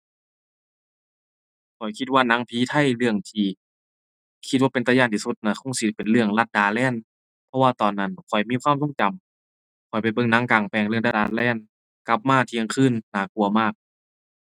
ข้อยคิดว่าหนังผีไทยเรื่องที่คิดว่าเป็นตาย้านที่สุดน่ะคงสิเป็นเรื่องลัดดาแลนด์ เพราะว่าตอนนั้นข้อยมีความทรงจำ ข้อยไปเบิ่งหนังกลางแปลงเรื่องลัดดาแลนด์ กลับมาเที่ยงคืน น่ากลัวมาก